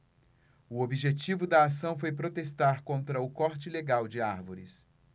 o objetivo da ação foi protestar contra o corte ilegal de árvores